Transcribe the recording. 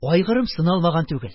Айгырым сыналмаган түгел.